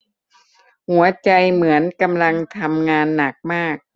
หัวใจเหมือนกำลังทำงานหนักมาก